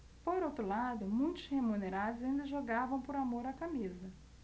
por outro lado muitos remunerados ainda jogavam por amor à camisa